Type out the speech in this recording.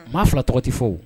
Maa fila tɔgɔ tɛ fo